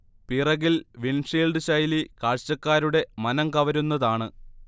പിറകിൽ windshield ശൈലി കാഴ്ച്ചക്കാരുടെ മനംകവരുന്നതാണ്